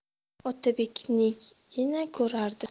otabeknigina ko'rardi